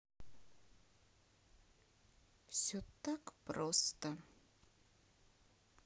все так просто